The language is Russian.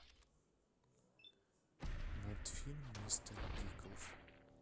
мультфильм мистер пиклз